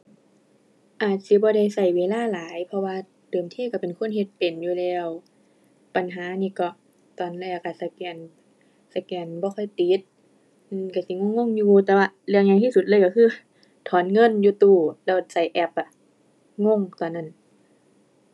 อาจสิบ่ได้ใช้เวลาหลายเพราะว่าเดิมทีใช้เป็นคนเฮ็ดเป็นอยู่แล้ว ปัญหานี้ก็ ตอนแรกใช้สแกน สแกนบ่ค่อยติด อือ ใช้สิงงงงอยู่ แต่ว่าเรื่องใหญ่ที่สุดเลยใช้คือถอนเงินอยู่ตู้แล้วใช้แอปอะ งง ตอนนั้น